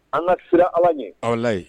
An ka siran Ala ɲɛ walayi .